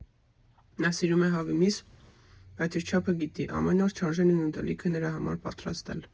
Նա սիրում է հավի միս, բայց իր չափը գիտի, ամեն օր չարժե նույն ուտելիքը նրա համար պատրաստել։